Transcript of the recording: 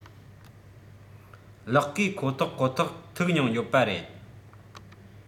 གློག སྐས ཁོ ཐག ཁོ ཐག ཐུག མྱོང ཡོད པ རེད